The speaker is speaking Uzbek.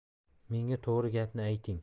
menga to'g'ri gapni ayting